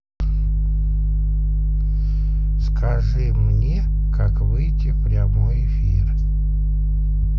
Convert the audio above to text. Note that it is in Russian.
скажи мне как выйти в прямой эфир